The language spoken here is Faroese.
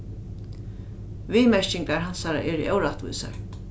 viðmerkingar hansara eru órættvísar